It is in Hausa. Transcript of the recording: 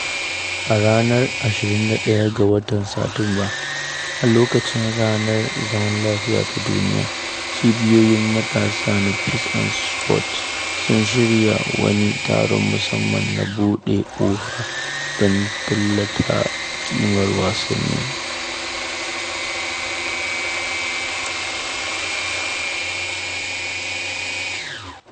A ranar 21 ga Satumba, a lokacin Ranar Zaman Lafiya ta Duniya, cibiyoyin matasa na Peace and Sport sun shirya wani taron musamman, Ranar Buɗe Ƙofa, don tallata ƙimar wasanni.